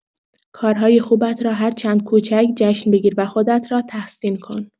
کارهای خوبت را هرچند کوچک جشن بگیر و خودت را تحسین کن.